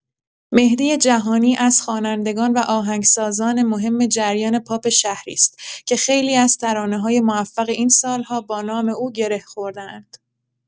مهدی جهانی از خوانندگان و آهنگسازان مهم جریان پاپ شهری است که خیلی از ترانه‌های موفق این سال‌ها با نام او گره خورده‌اند.